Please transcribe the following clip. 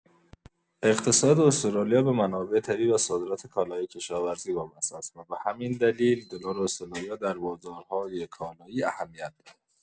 اقتصاد استرالیا به منابع طبیعی و صادرات کالاهای کشاورزی وابسته است و به همین دلیل دلار استرالیا در بازارهای کالایی اهمیت دارد.